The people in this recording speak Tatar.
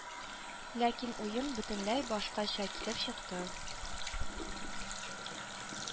Ләкин уен бөтенләй башкача килеп чыкты